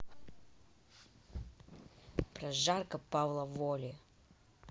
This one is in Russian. прожарка павла воли